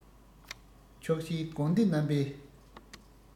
ཕྱོགས བཞིའི དགོན སྡེ རྣམ པས